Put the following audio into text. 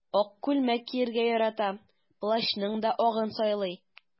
Ак күлмәк кияргә ярата, плащның да агын сайлый.